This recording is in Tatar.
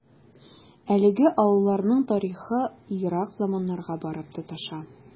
Әлеге авылларның тарихы ерак заманнарга барып тоташа.